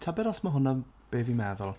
Tybed os ma' hwnna be fi'n meddwl?